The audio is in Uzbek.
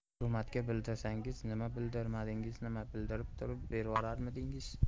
hukumatga bildirsangiz nima bildirmadingiz nima bildirib turib bervorarmidingiz